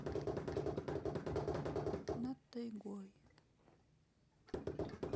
над тайгой